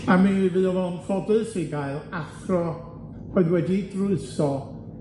a mi fuodd o'n ffodus i gael athro oedd wedi drwytho